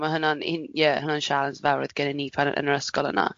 Ma' hwnna'n hun- ie hwnna'n sialens fel oedd gennyn ni pan yn yr ysgol yna.